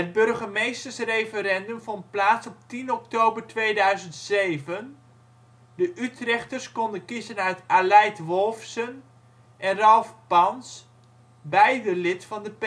burgemeestersreferendum vond plaats op 10 oktober 2007, de Utrechters konden kiezen uit Aleid Wolfsen en Ralph Pans, beiden lid van de